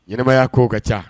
Ɲɛnɛmaya kow ka caa